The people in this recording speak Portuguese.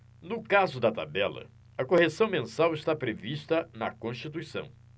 no caso da tabela a correção mensal está prevista na constituição